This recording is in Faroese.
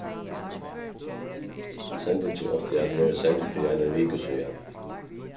sendingin átti at verið send fyri einari viku síðani